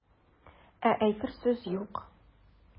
Ә әйтер сүз юк.